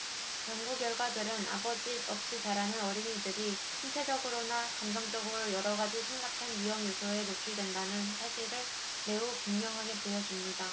연구 결과들은 아버지 없이 자라는 어린이들이 신체적으로나 감정적으로 여러가지 심각한 위험 요소에 노출된다는 사실을 매우 분명하게 보여 줍니다